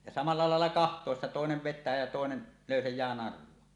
ja samalla lailla katsoessa toinen vetää ja toinen löysää narua